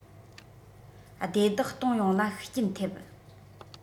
སྡེ བདག གཏོང ཡོང ལ ཤུགས རྐྱེན ཐེབས